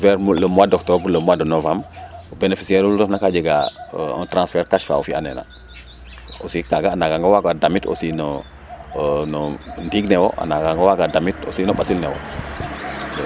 vers le mois d' octobre le mois de novembre bénéficiaire olu refna kaa jegaa un transfert cash fa o fi'a nena aussi kaaga a nangang o waagaa damit aussi no no ndiag ne wo a nangang o waaga damit aussi no ɓasil ne wo